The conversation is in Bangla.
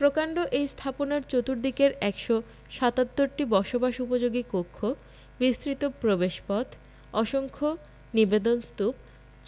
প্রকান্ড এই স্থাপনার চতুর্দিকের ১৭৭টি বসবাস উপযোগী কক্ষ বিস্তৃত প্রবেশপথ অসংখ্য নিবেদন স্তূপ